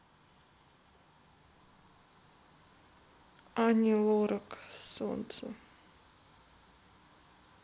ани лорак солнце